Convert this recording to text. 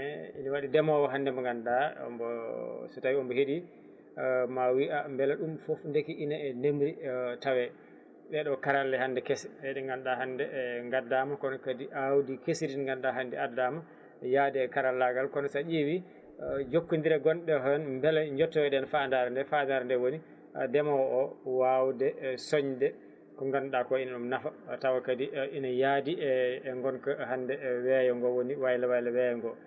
ene waɗi ndeemowo hande mo ganduɗa mo so tawi omo heeɗi ma o wi a beele ɗum foof ndeke ina e ndemri tawe ɗeeɗo karalle hande keese ɗe ɗe ganduɗa hande gaddama kono kadi awdi keesiri ndi ganduɗa hande addama yaade karallagal kono sa ƴeewi jokkodire gonɗe toon beele jettoyoɗen fandare nde fandare nde woni ndemowo o wawde soñde ko ganduɗa ko ene ɗum naafa tawa kadi ina yaadi e e gonka hande e weeyo ngo woni waylo waylo weeyo ngo